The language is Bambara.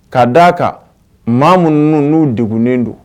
Ka d a kan maa minnuunu n'u degunnen don